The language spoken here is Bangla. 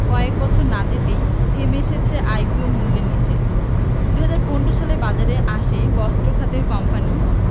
কয়েক বছর না যেতেই নেমে এসেছে আইপিও মূল্যের নিচে ২০১৫ সালে বাজারে আসে বস্ত্র খাতের কোম্পানি